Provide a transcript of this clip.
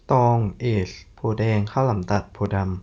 ตองเอซโพธิ์แดงข้าวหลามตัดโพธิ์ดำ